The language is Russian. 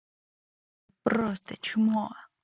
ты просто чмо